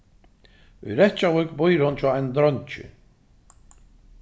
í reykjavík býr hon hjá einum dreingi